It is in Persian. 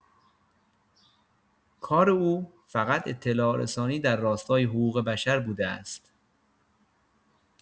کار او فقط اطلاع‌رسانی در راستای حقوق‌بشر بوده است.